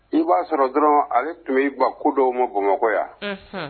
I b'a sɔrɔ dɔrɔn ale tun b'a ban ko dɔw ma bamakɔ yan.